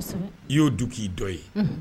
I y' du k'i dɔ ye